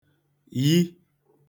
-ghi